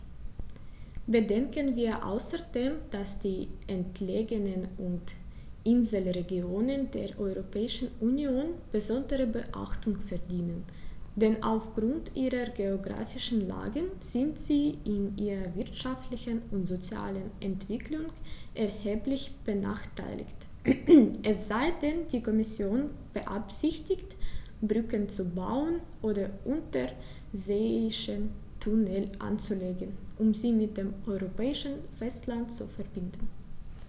Bedenken wir außerdem, dass die entlegenen und Inselregionen der Europäischen Union besondere Beachtung verdienen, denn auf Grund ihrer geographischen Lage sind sie in ihrer wirtschaftlichen und sozialen Entwicklung erheblich benachteiligt - es sei denn, die Kommission beabsichtigt, Brücken zu bauen oder unterseeische Tunnel anzulegen, um sie mit dem europäischen Festland zu verbinden.